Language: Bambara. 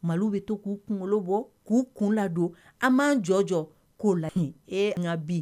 Mali bɛ to k'u kunkolo bɔ k'u kun ladon an'an jɔ jɔ k'o la e n ka bi